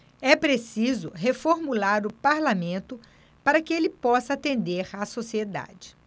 é preciso reformular o parlamento para que ele possa atender a sociedade